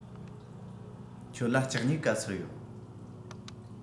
ཁྱོད ལ ལྕགས སྨྱུག ག ཚོད ཡོད